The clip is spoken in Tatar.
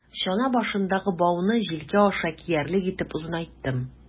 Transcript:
Чана башындагы бауны җилкә аша киярлек итеп озынайттым.